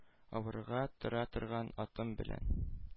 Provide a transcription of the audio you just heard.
Аварга тора торган атым белән,